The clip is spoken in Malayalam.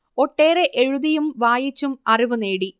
ഒട്ടേറെ എഴുതിയും വായിച്ചും അറിവ് നേടി